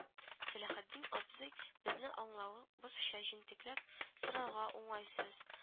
Сәләхетдин абзый, безнең аңлавыбызча, - җентекләп сорарга уңайсыз